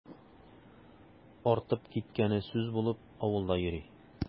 Артып киткәне сүз булып авылда йөри.